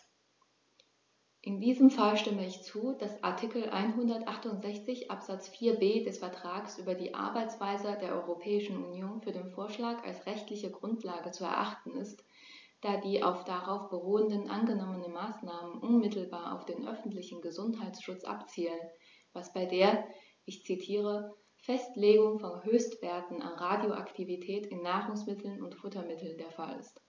In diesem Fall stimme ich zu, dass Artikel 168 Absatz 4b des Vertrags über die Arbeitsweise der Europäischen Union für den Vorschlag als rechtliche Grundlage zu erachten ist, da die auf darauf beruhenden angenommenen Maßnahmen unmittelbar auf den öffentlichen Gesundheitsschutz abzielen, was bei der - ich zitiere - "Festlegung von Höchstwerten an Radioaktivität in Nahrungsmitteln und Futtermitteln" der Fall ist.